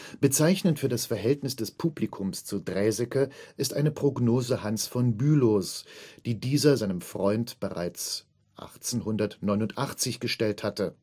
Bezeichnend für das Verhältnis des Publikums zu Draeseke ist eine Prognose Hans von Bülows, die dieser seinem Freund bereits 1889 gestellt hatte